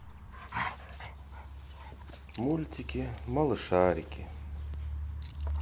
мультики малышарики